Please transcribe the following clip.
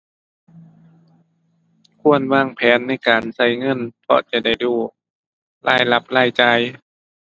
ควรวางแผนในการใช้เงินเพราะจะได้รู้รายรับรายจ่าย